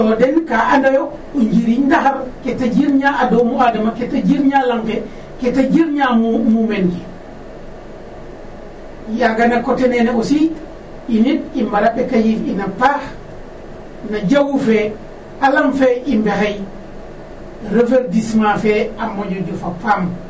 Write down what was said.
To den ka andooyo o njiriñ ndaxar kee ta jirñaa a domu adama kee ta jirña lang ke kee ta jirña muumeen ke. Yaaga na coté nene aussi init i mbaraa ɓeka yiif in a paax no jawu fe alam fe i mbexey reverdissement fe a moƴo jof a paam.